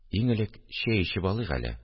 – иң элек чәй эчеп алыйк әле